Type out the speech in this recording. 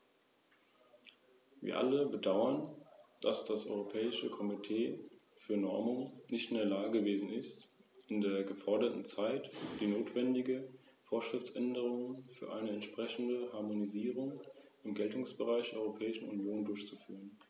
Der Vorschlag der Kommission führt nicht zur Schaffung eines einheitlichen, EU-weiten Patents gemäß Artikel 118, und die verstärkte Zusammenarbeit wirkt sich auf die Unternehmensgründung und den freien Kapitalverkehr negativ aus.